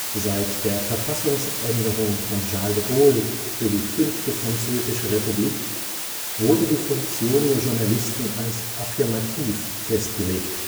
Seit der Verfassungsänderung von Charles de Gaulle für die Fünfte Französische Republik wurde die Funktion der Journalisten als affirmativ festgelegt